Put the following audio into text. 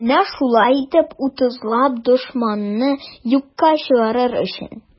Менә шулай итеп, утызлап дошманны юкка чыгарыр өчен.